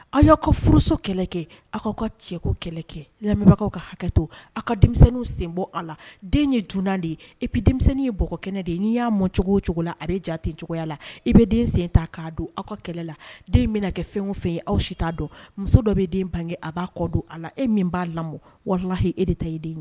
Aw y'aw ka furuso kɛlɛ kɛ aw' aw ka cɛko kɛlɛ kɛ lamɛnbagaw ka hakɛ aw ka denmisɛnnin sen bɔ a la den ye dunan de ye e bɛ denmisɛnnin ye bɔgɔkɛnɛ de ye'i y'a mɔcogo o cogo la a bɛ ja ten cogoyaya la i bɛ den sen ta k'a don aw ka kɛlɛla den bɛna kɛ fɛn o fɛn ye aw si t'a dɔn muso dɔ bɛ den bange a b'a kɔ don a la e min b'a la lamɔ wala h e de ta den ye